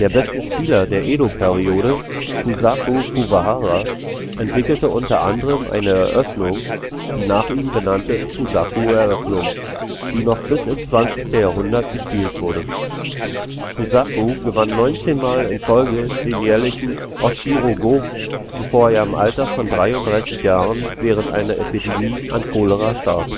beste Spieler der Edo-Periode, Shusaku Kuwahara, entwickelte unter anderem eine neue Eröffnung, die nach ihm benannte Shusaku-Eröffnung, die noch bis ins 20. Jahrhundert gespielt wurde. Shusaku gewann 19-mal in Folge den jährlichen o-shiro-go, bevor er im Alter von 33 Jahren während einer Epidemie an Cholera starb